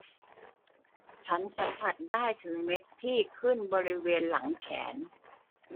ฉันสัมผัสได้ถึงเม็ดที่ขึ้นบริเวณหลังแขน